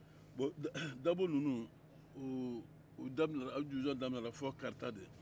bɔn dabo ninnu u jujɔn daminɛ fɔ karata de